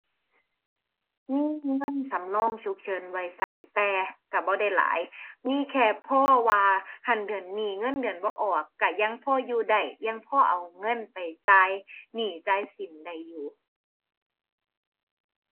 มีเงินสำรองฉุกเฉินไว้ใช้ แต่ใช้บ่ได้หลาย มีแค่พอว่าหั้นเดือนนี้เงินเดือนบ่ออกใช้ยังพออยู่ได้ ยังพอเอาเงินไปจ่ายหนี้จ่ายสินได้อยู่